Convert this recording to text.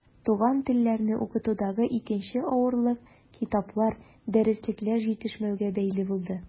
Туган телләрне укытудагы икенче авырлык китаплар, дәреслекләр җитешмәүгә бәйле булды.